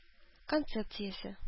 Концепциясе